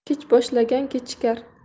kech boshlagan kechikar